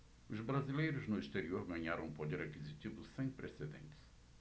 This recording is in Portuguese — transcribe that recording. os brasileiros no exterior ganharam um poder aquisitivo sem precedentes